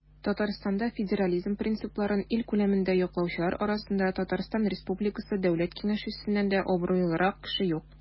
Татарстанда федерализм принципларын ил күләмендә яклаучылар арасында ТР Дәүләт Киңәшчесеннән дә абруйлырак кеше юк.